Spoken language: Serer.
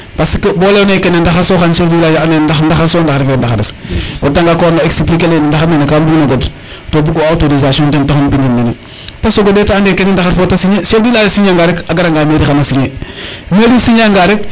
parce que bo leyona kene ndaxar so xan chef du village a ande ndaxar so ndax refe ndaxar es o reta nga ko warno expliquer ley ne ndaxar nene kam bug una god to bug u a autorisation ten taxu im bindin nene te sogo ndeet ande kene ndaxar fo te signer chef du village a signer anga rek a gara nga mairie xana signer mairie signer anga rek